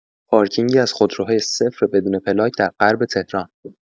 پارکینگی از خودروهای صفر بدون پلاک در غرب تهران!